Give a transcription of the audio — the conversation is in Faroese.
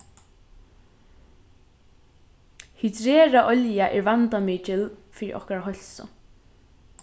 hydrerað olja er vandamikil fyri okkara heilsu